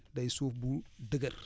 day suuf bu dëgër